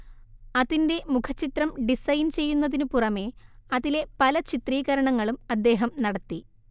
അതിന്റെ മുഖചിത്രം ഡിസൈൻ ചെയ്യുന്നതിനു പുറമേ അതിലെ പല ചിത്രീകരണങ്ങളും അദ്ദേഹം നടത്തി